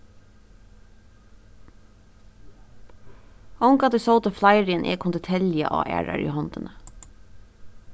ongantíð sótu fleiri enn eg kundi telja á aðrari hondini